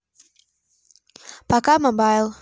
пока мобайл